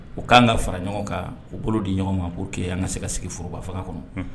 U' kan ka fara ɲɔgɔn kan u bolo di ɲɔgɔn ma k'o' an ka se ka sigi foroba fanga kɔnɔ